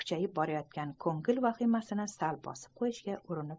kuchayib borayotgan ko'ngil vahimasini sal bosib qo'yishga urinib